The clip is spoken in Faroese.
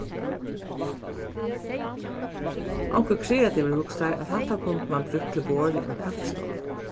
onkur kreativur hugsar at hatta kundi mann brúkt til borð í eini kaffistovu